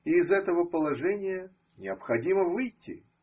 и из этого положения необходимо выйти.